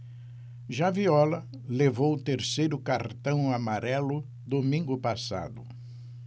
já viola levou o terceiro cartão amarelo domingo passado